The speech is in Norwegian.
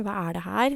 Hva er det her?